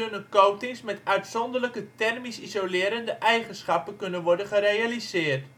coatings met uitzonderlijke thermisch isolerende eigenschappen kunnen worden gerealiseerd